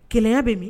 Kɛlɛya bɛ min